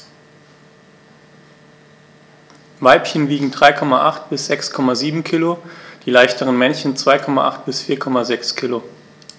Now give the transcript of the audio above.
Weibchen wiegen 3,8 bis 6,7 kg, die leichteren Männchen 2,8 bis 4,6 kg.